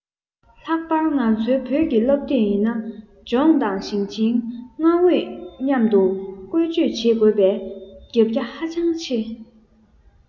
ལྷག པར ང ཚོའི བོད ཀྱི སློབ དེབ ཡིན ན ལྗོངས དང ཞིང ཆེན ལྔ བོས མཉམ དུ བཀོལ སྤྱོད བྱེད དགོས པས ཁྱབ རྒྱ ཧ ཅང ཆེ